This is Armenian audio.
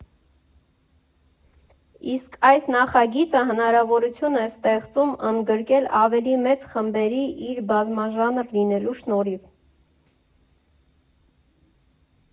Իսկ այս նախագիծը հնարավորություն է ստեղծում ընդգրկել ավելի մեծ խմբերի իր բազմաժանր լինելու շնորհիվ։